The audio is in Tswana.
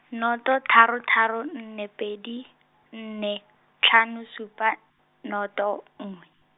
nnoto tharo tharo nne pedi, nne, tlhano supa, noto, nngwe.